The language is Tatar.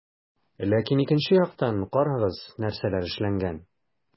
Ләкин икенче яктан - карагыз, нәрсәләр эшләнгән.